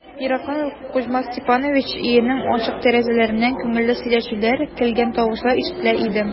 Ерактан ук Кузьма Степанович өенең ачык тәрәзәләреннән күңелле сөйләшүләр, көлгән тавышлар ишетелә иде.